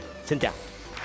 xin chào